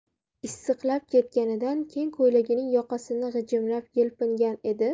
issiqlab ketganidan keng ko'ylagining yoqasini g'ijimlab yelpingan edi